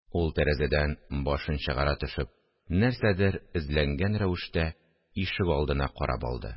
Ул, тәрәзәдән башын чыгара төшеп, нәрсәдер эзләнгән рәвештә, ишегалдына карап алды